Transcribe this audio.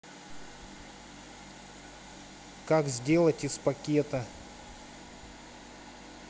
как сделать из пакета